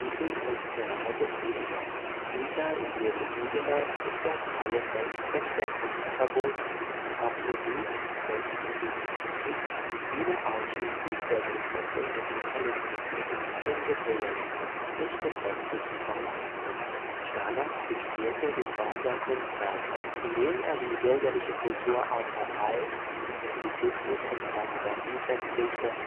sie funktional befriedige. Dieser Ideologie gemäß ist der freie Selbstzweck der Kunst verboten. Auch Musik (selbst Musikkritik) diene ausschließlich der Durchsetzung des Sozialismus mit den Mitteln des Realismus, nicht des westlichen Formalismus. Schdanow diktierte die Form der Kunstwerke. Indem er die bürgerliche Kultur auf Verfall, Mystizismus und Pornographie festlegte